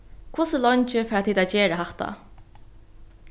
hvussu leingi fara tit at gera hatta